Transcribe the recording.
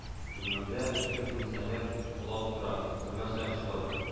—бүлмәңдә ике кондиционер улап утыра, бүлмә саен шулар…